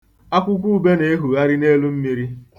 Akwụkwọ ube na-ehugharị n'elu mmiri.